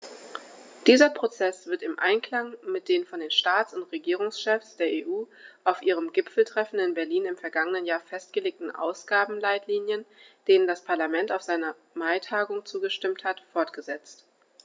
Dieser Prozess wird im Einklang mit den von den Staats- und Regierungschefs der EU auf ihrem Gipfeltreffen in Berlin im vergangenen Jahr festgelegten Ausgabenleitlinien, denen das Parlament auf seiner Maitagung zugestimmt hat, fortgesetzt.